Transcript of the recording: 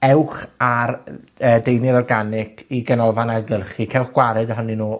ewch ar yy y deunydd organig i ganolfan ailgylchu. Cewch gwared ohonyn nw